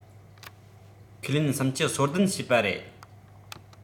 ཁས ལེན སུམ བཅུ སོ བདུན བྱས པ རེད